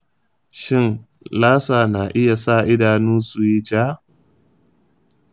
shin lassa na iya sa idanu su yi ja?